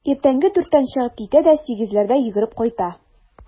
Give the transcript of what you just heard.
Иртәнге дүрттән чыгып китә дә сигезләрдә йөгереп кайта.